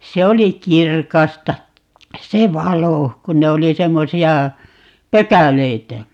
se oli kirkasta se valo kun ne oli semmoisia pökäleitä